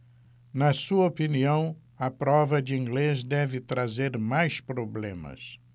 na sua opinião a prova de inglês deve trazer mais problemas